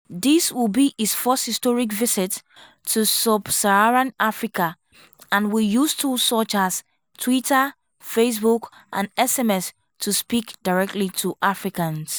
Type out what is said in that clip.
This will be his first historic visit to Sub-Saharan Africa and will use tools such as Twitter, Facebook and SMS to speak directly to Africans.